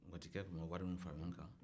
g atigikɛ bɛ wari ninnu faraɲɔgɔnkan